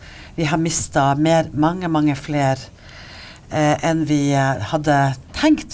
vi har mista mer mange mange fler enn vi hadde tenkt.